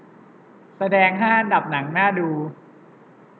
แสดงห้าอันดับหนังน่าดู